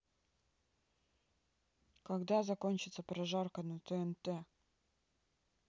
когда закончится прожарка на тнт